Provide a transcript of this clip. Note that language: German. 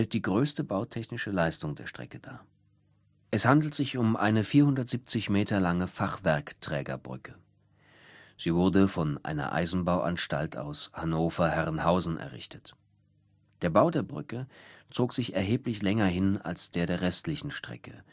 die größte bautechnische Leistung der Strecke. Es handelt sich um eine 470 Meter lange Fachwerkträgerbrücke. Sie wurde von einer Eisenbauanstalt aus Hannover-Herrenhausen errichtet. Der Bau der Brücke zog sich erheblich länger hin als der der restlichen Strecke